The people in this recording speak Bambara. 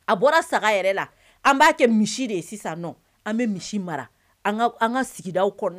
A bɔra saga yɛrɛ la, an b'a kɛ misi de ye. Sisan ninɔn, an bɛ misi mara an ka sigidaw kɔnɔ